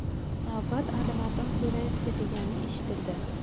navbat alimardon to'rayevga degani eshitildi